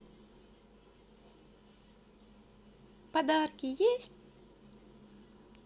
подарки есть